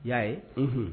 Y'a ye hhun